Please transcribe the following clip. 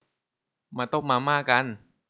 มาต้มมาม่ากัน